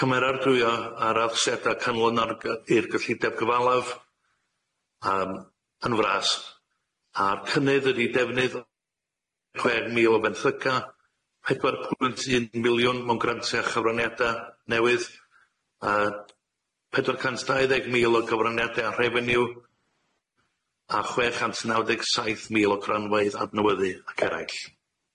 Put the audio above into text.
Cymrardwyo a'r asiadau canlynol gy- i'r gyllideb gyfalaf yym yn fras, a'r cynnydd ydi defnydd chwe mil o fenthyca pedwar pwynt un miliwn mewn grantiau a chyfraniada newydd yy pedwar cant dau ddeg mil o gyfraniade a rhefeniw a chwe chant naw deg saith mil o cranfeydd adnewyddu ac eraill.